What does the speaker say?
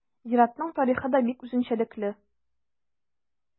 Зиратның тарихы да бик үзенчәлекле.